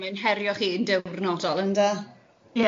Ie mae'n herio chi yn diwrnodol ynde?